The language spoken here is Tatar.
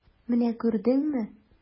Менә күрдеңме?